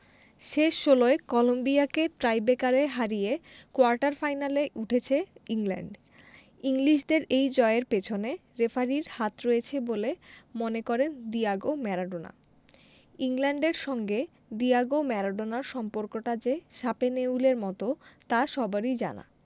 শেষ ষোলোয় কলম্বিয়াকে টাইব্রেকারে হারিয়ে কোয়ার্টার ফাইনালে উঠেছে ইংল্যান্ড ইংলিশদের এই জয়ের পেছনে রেফারির হাত রয়েছে বলে মনে করেন ডিয়েগো ম্যারাডোনা ইংল্যান্ডের সঙ্গে ডিয়েগো ম্যারাডোনার সম্পর্কটা যে শাপে নেউলের মতো তা সবারই জানা